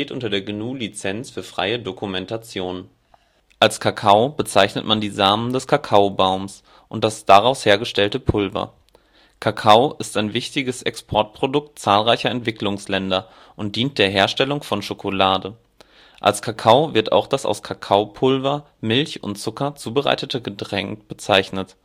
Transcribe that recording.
unter der GNU Lizenz für freie Dokumentation. Als Kakao [kaˈkaʊ] bezeichnet man die Samen des Kakaobaumes (Kakaobohnen) und das daraus hergestellte Pulver. Kakao ist ein wichtiges Exportprodukt zahlreicher Entwicklungsländer und dient der Herstellung von Schokolade. Als Kakao wird auch das aus Kakaopulver, Milch und Zucker zubereitete Getränk bezeichnet